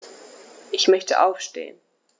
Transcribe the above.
Ich möchte aufstehen.